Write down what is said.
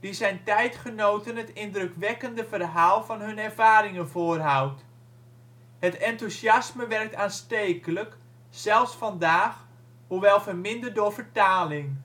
zijn tijdgenoten het indrukwekkende verhaal van hun ervaringen voorhoudt. Het enthousiasme werkt aanstekelijk, zelfs vandaag, hoewel verminderd door vertaling